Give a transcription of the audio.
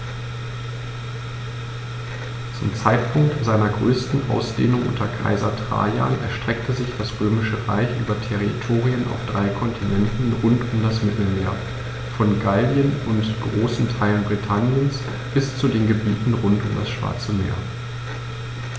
Zum Zeitpunkt seiner größten Ausdehnung unter Kaiser Trajan erstreckte sich das Römische Reich über Territorien auf drei Kontinenten rund um das Mittelmeer: Von Gallien und großen Teilen Britanniens bis zu den Gebieten rund um das Schwarze Meer.